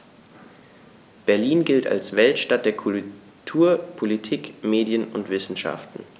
Berlin gilt als Weltstadt der Kultur, Politik, Medien und Wissenschaften.